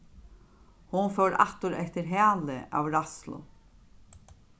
hon fór aftur eftir hæli av ræðslu